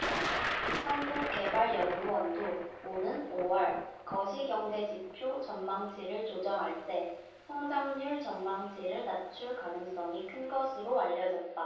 한국개발연구원도 오는 오 월 거시경제지표 전망치를 조정할 때 성장률 전망치를 낮출 가능성이 큰 것으로 알려졌다